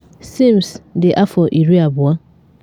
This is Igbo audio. Sims dị afọ 20.